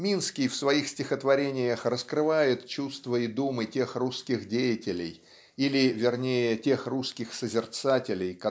Минский в своих стихотворениях раскрывает чувства и думы тех русских деятелей или вернее тех русских созерцателей